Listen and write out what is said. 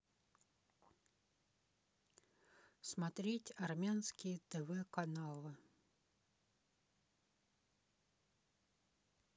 смотреть армянские тв каналы